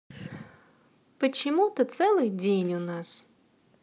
почему то целый день у нас